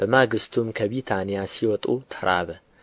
በማግሥቱም ከቢታንያ ሲወጡ ተራበ